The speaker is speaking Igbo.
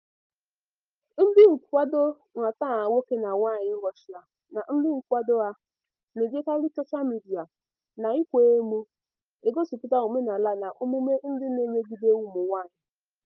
Ndị nkwado nhatanha nwoke na nwaanyị Russia na ndị na-akwado ha na-ejikarị soshal midịa na ịkwa emo egosipụta omenala na omume ndị na-emegide ụmụnwaanyị.